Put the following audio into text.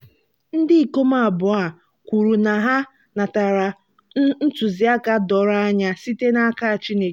Ndị ikom abụọ ahụ kwuru na ha natara ntụziaka doro anya site n'aka Chineke